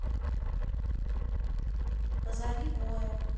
позови боя